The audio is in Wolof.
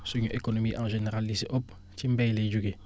suñu économie en général li si ëppci mbéy lay jógee